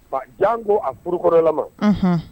Fa, janko a furukɔnɔ lama.